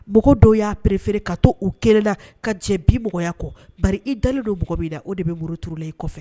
Mɔgɔ dɔw y'a preereeere ka to u kɛra la ka jɛ bimɔgɔya kɔ ba i dalen don mɔgɔ' la o de bɛ muruurula i kɔfɛ